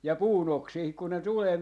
ja puun oksiinkin kun ne tulee